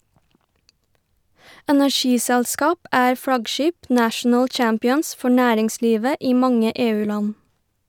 Energiselskap er flaggskip, «national champions», for næringslivet i mange EU-land.